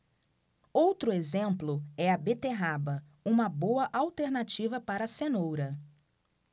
outro exemplo é a beterraba uma boa alternativa para a cenoura